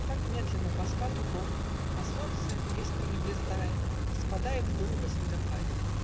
Так медленно по скату гор, На солнце искрами блистая, Спадает глыба снеговая.